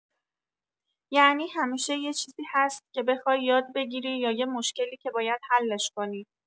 یعنی همیشه یه چیزی هست که بخوای یاد بگیری یا یه مشکلی که باید حلش کنی.